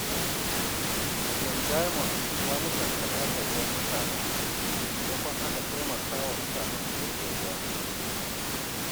Gem Diamonds ya musanta ɓata ruwan mutanen, maimakon haka taimaka wa mutanen ya yi da ruwa.